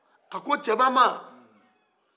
a ko cɛba ma